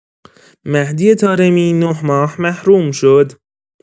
مهدی طارمی ۹ ماه محروم شد.